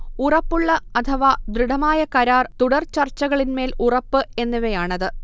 ഉറപ്പുള്ള അഥവാ ദൃഢമായ കരാർ, തുടർചർച്ചകളിന്മേൽ ഉറപ്പ് എന്നിവയാണത്